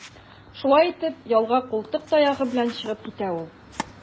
Шулай итеп, ялга култык таягы белән чыгып китә ул.